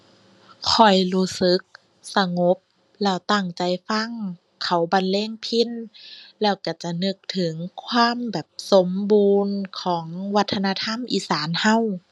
ข้อยรู้สึกสงบแล้วตั้งใจฟังเขาบรรเลงพิณ แล้วก็จะนึกถึงความแบบสมบูรณ์ของวัฒนธรรมอีสานก็